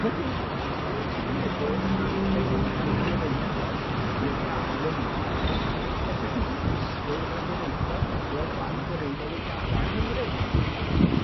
Wedyn, os 'dach chi'n meddwl am cefnogaeth Hiraethog i'r ddau yna, fysa chi 'di disgwl y bydda Hiraethog felly o blaid yr un newidiada yng Nghymru.